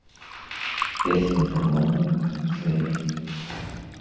песня на мамы на свете